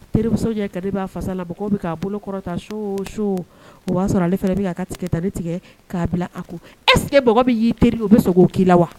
Terimuso ɲɛ Kadi b'a fasa la bɔ k'o bɛ ka bolo kɔrɔta su o su o b'a sɔrɔ ale fana bɛ ka a ka tigɛtani tigɛ k'a bila a kun est ce que mɔgɔ min y'i teri ye o b'i sɔn k'o k'i la wa